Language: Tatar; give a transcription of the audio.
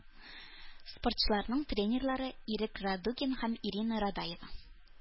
Спортчыларның тренерлары - Ирек Радугин һәм Ирина Радаева.